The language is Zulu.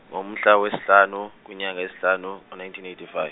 umhla wesihlanu kwinyanga yesihlanu ngo- nineteen eighty fi-.